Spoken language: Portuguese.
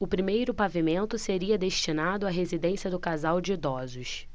o primeiro pavimento seria destinado à residência do casal de idosos